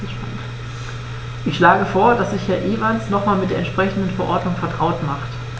Ich schlage vor, dass sich Herr Evans nochmals mit der entsprechenden Verordnung vertraut macht.